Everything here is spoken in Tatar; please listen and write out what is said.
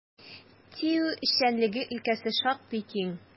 ТИҮ эшчәнлеге өлкәсе шактый киң.